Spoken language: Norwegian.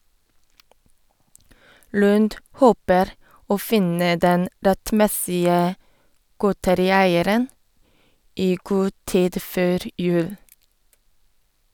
Lund håper å finne den rettmessige godterieieren i god tid før jul.